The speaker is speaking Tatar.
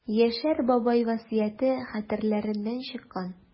Яшәр бабай васыяте хәтерләреннән чыккан.